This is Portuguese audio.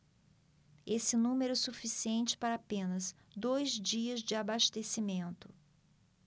esse número é suficiente para apenas dois dias de abastecimento